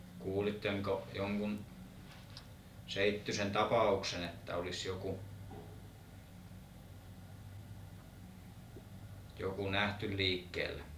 kuulitteko jonkun seittyisen tapauksen että olisi joku joku nähty liikkeellä